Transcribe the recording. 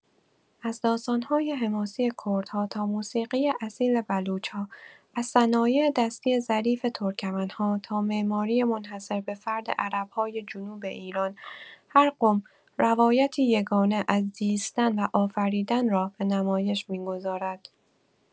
از داستان‌های حماسی کردها تا موسیقی اصیل بلوچ‌ها، از صنایع‌دستی ظریف ترکمن‌ها تا معماری منحصربه‌فرد عرب‌های جنوب ایران، هر قوم روایتی یگانه از زیستن و آفریدن را به نمایش می‌گذارد.